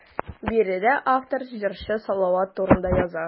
Биредә автор җырчы Салават турында яза.